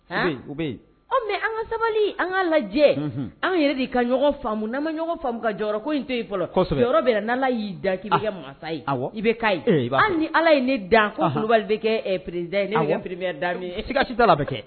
Han u be ye u be ye ɔn mais an ŋa sabali an ŋa lajɛ unhun anw yɛrɛ de ka ɲɔgɔn faamu n'an ma ɲɔgɔn faamu ka jɔyɔrɔ ko in to ye fɔlɔ kɔsɛbɛ jɔyɔrɔ bɛɛ la n'Ala y'i dan a k'i be kɛ mansa ye awɔ i be k'a ye ee i b'a sɔrɔ ali ni Ala ye ne dan ko Kulibali be kɛ ɛɛ président ye ne be kɛ prémière dame ye sika si t'a la a be kɛ